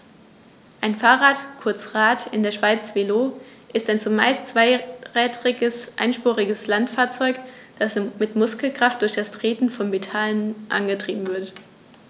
Ein Fahrrad, kurz Rad, in der Schweiz Velo, ist ein zumeist zweirädriges einspuriges Landfahrzeug, das mit Muskelkraft durch das Treten von Pedalen angetrieben wird.